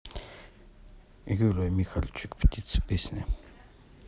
юлия михальчик птицы песня